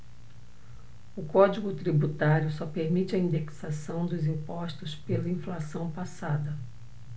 o código tributário só permite a indexação dos impostos pela inflação passada